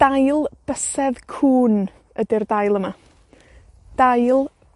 Dail Bysedd Cŵn ydi'r dail yma. Dail